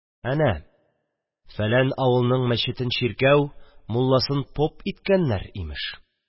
– әнә фәлән авылның мәчетен чиркәү, мулласын поп иткәннәр, имеш.